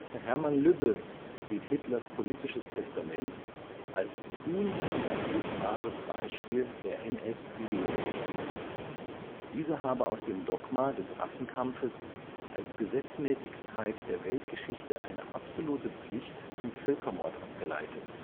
Hermann Lübbe sieht Hitlers politisches Testament als unüberbietbares Beispiel der NS-Ideologie. Diese habe aus dem Dogma des Rassenkampfes als Gesetzmäßigkeit der Weltgeschichte eine absolute Pflicht zum Völkermord abgeleitet